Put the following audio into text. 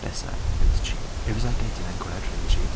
Listen, it was cheap. It was like eighty nine quid, really cheap.